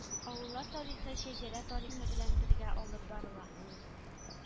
Авыллар тарихы шәҗәрә тарихы белән бергә алып барыла